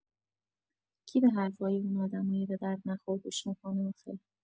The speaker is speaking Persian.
کی به حرفای اون آدمای بدردنخور گوش می‌کنه آخه؟